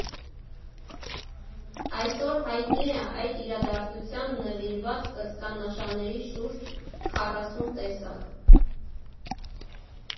Այսօր հայտնի է այդ իրադարձությանը նվիրված կրծքանշանների շուրջ քառասուն տեսակ։